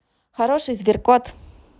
хороший сбер кот